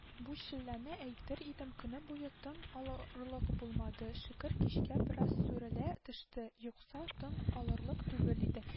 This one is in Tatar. —бу челләне әйтер идем, көне буе тын алырлык булмады, шөкер, кичкә бераз сүрелә төште, юкса, тын алырлык түгел иде